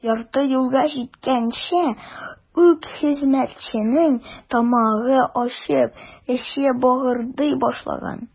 Ярты юлга җиткәнче үк хезмәтченең тамагы ачып, эче быгырдый башлаган.